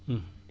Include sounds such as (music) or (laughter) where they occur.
(hesitation) (hesitation)